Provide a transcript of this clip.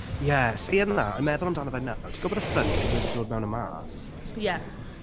Yeah, saying that a meddwl amdano fe nawr, ti’n gwybod y ffrynt lle maen nhw’n dod mewn a mas?... Yeah.